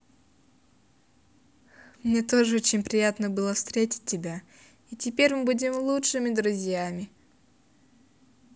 мне тоже очень приятно было встретить тебя и теперь мы будем лучшими друзьями